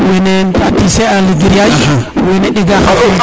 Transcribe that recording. wene a tisser a le grillage wene ɗega xa